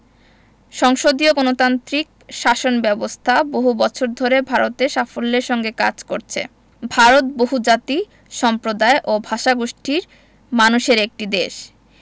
সংসদীয় গণতান্ত্রিক শাসন ব্যাবস্থা বহু বছর ধরে ভারতে সাফল্যের সঙ্গে কাজ করছে ভারত বহুজাতি সম্প্রদায় ও ভাষাগোষ্ঠীর মানুষের একটি দেশ